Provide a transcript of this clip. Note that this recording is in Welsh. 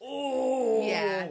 Ww!... Ie.